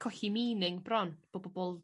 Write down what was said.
colli meaning bron bo' pobol...